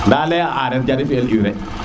nda ale areer jare fi el urée